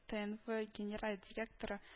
“тээнвэ” генераль директоры